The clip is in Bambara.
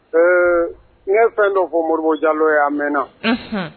Ɛɛ i ye fɛn dɔ fɔ mori jalo ye a mɛnna